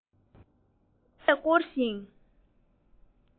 ཤེས བྱའི ལྡེ མིག བསྩལ